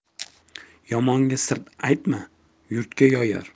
yomonga sir aytma yurtga yoyar